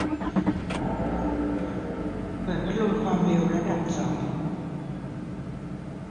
เปิดพัดลมความเร็วระดับสอง